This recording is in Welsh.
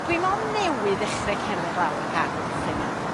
Dwi mon' newydd ddechre cerdded lawr y gardd y Dyffryn 'ma